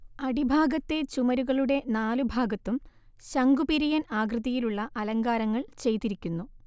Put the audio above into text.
അടിഭാഗത്തെ ചുമരുകളുടെ നാലു ഭാഗത്തും ശംഖുപിരിയൻ ആകൃതിയിലുള്ള അലങ്കാരങ്ങൾ ചെയ്തിരിക്കുന്നു